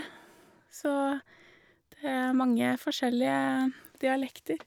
Så det er mange forskjellige dialekter.